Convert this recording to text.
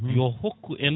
yo hokku en